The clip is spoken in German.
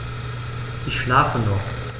Ich schlafe noch.